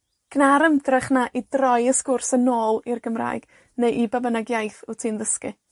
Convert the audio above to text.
Gna'r ymdrech 'na i droi y sgwrs yn ôl i'r Gymraeg, neu i be' bynnag iaith wt ti'n ddysgu.